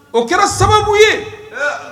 O kɛra sababu ye